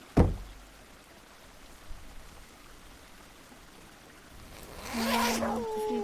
På fri...